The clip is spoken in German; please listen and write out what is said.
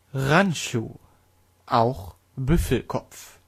Ranchu (Büffelkopf